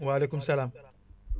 waaleykum salaam